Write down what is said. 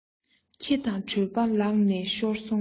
ཁྱི དང གྲོད པ ལག ནས ཤོར སོང ངོ